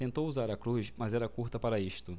tentou usar a cruz mas era curta para isto